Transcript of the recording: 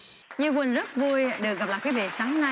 như quỳnh rất vui được gặp lại quý vị